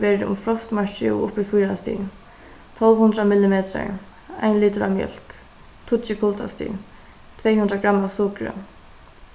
verður um frostmarkið og upp í fýra stig tólv hundrað millimetrar ein litur av mjólk tíggju kuldastig tvey hundrað gramm av sukri